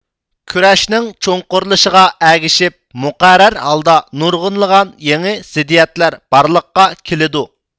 كۈرەشنىڭ چوڭقۇرلىشىشىغا ئەگىشىپ مۇقەررەر ھالدا نۇرغۇنلىغان يېڭى زىددىيەتلەر بارلىققا كېلىدۇ